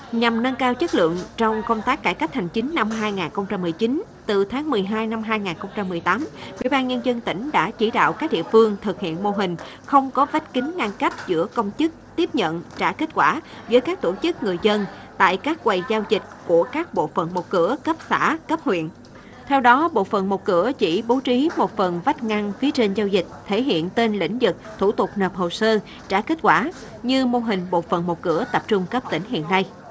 nhằm nâng cao chất lượng trong công tác cải cách hành chính năm hai ngàn không trăm mười chín từ tháng mười hai năm hai ngàn không trăm mười tám ủy ban nhân dân tỉnh đã chỉ đạo các địa phương thực hiện mô hình không có vách kính ngăn cách giữa công chức tiếp nhận trả kết quả với các tổ chức người dân tại các quầy giao dịch của các bộ phận một cửa cấp xã cấp huyện theo đó bộ phận một cửa chỉ bố trí một phần vách ngăn phía trên giao dịch thể hiện tên lĩnh vực thủ tục nộp hồ sơ trả kết quả như mô hình bộ phận một cửa tập trung cấp tỉnh hiện nay